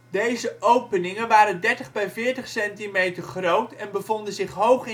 Deze openingen waren 30×40 centimeter groot en bevonden zich hoog